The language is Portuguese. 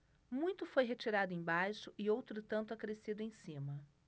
muito foi retirado embaixo e outro tanto acrescido em cima